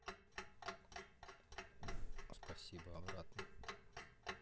спасибо обратно